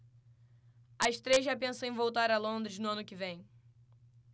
as três já pensam em voltar a londres no ano que vem